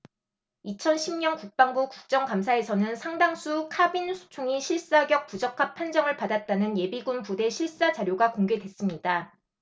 이천 십 년 국방부 국정감사에서는 상당수 카빈 소총이 실사격 부적합 판정을 받았다는 예비군 부대 실사 자료가 공개됐습니다